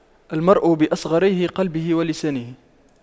المرء بأصغريه قلبه ولسانه